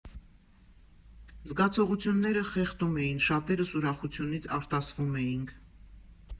Զգացողությունները խեղդում էին, շատերս ուրախությունից արտասվում էինք։